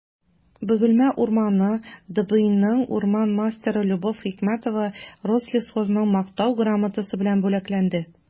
«бөгелмә урманы» дбинең урман мастеры любовь хикмәтова рослесхозның мактау грамотасы белән бүләкләнде